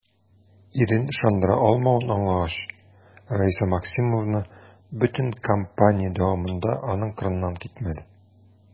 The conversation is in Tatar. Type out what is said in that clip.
Ирен ышандыра алмавын аңлагач, Раиса Максимовна бөтен кампания дәвамында аның кырыннан китмәде.